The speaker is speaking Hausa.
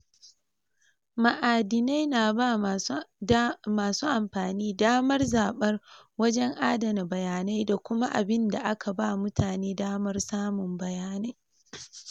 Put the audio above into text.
Ma’adinai na ba masu amfani damar zabar wajen adana bayyanai da kuma abin da aka ba mutane damar samun bayanai.